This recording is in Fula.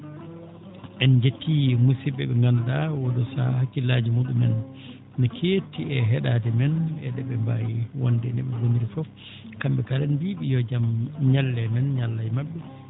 en njettii musid?e ?e nganndu?aa oo ?oo sahaa hakkillaaji muu?umen no ceetti e he?aade men e ?o ?e mbaawi wonde e no ?e ngoniri fof kam?e kala mi wii?e yo jaam ñalle men ñalla e ma??e